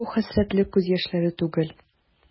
Бу хәсрәтле күз яшьләре түгел.